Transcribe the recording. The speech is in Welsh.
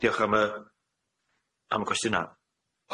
Yy diolch am y am y cwestiyna.